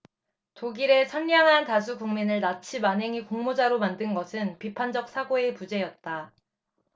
독일의 선량한 다수 국민을 나치 만행의 공모자로 만든 것은 비판적 사고의 부재였다